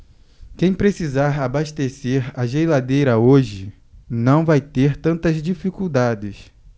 quem precisar abastecer a geladeira hoje não vai ter tantas dificuldades